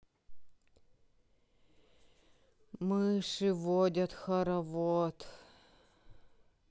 мыши водят хоровод